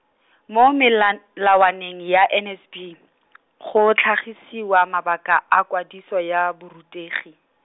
mo melawaneng ya N S B , go tlhagisiwa mabaka a kwadiso ya borutegi.